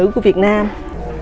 thứ của việt nam